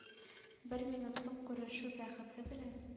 Бер минутлык күрешү бәхете белән